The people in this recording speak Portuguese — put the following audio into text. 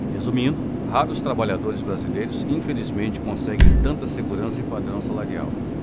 resumindo raros trabalhadores brasileiros infelizmente conseguem tanta segurança e padrão salarial